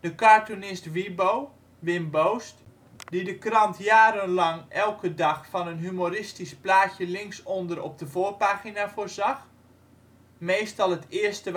de cartoonist WiBo (Wim Boost), die de krant jarenlang elke dag van een humoristisch plaatje linksonder op de voorpagina voorzag (meestal het eerste